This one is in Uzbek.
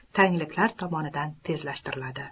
tangliklar tomonidan tezlashtiriladi